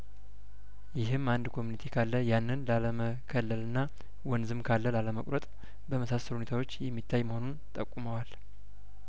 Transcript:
ይኸም አንድ ኮሚኒቲ ካለያንን ላለመከለልና ወንዝም ካለላለመቁረጥ በመሳሰሉ ሁኔታዎች የሚታይ መሆኑን ጠቁመዋል